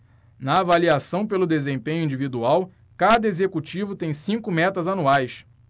na avaliação pelo desempenho individual cada executivo tem cinco metas anuais